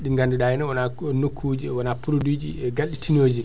ɗi ganduɗa henna nokkuji wona produit ji galɗitinoji